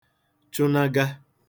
chụnaga